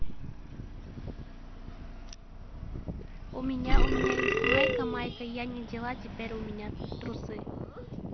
у меня у меня есть майка майкой я не дела теперь у меня трусы